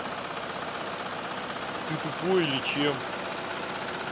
ты тупой или чем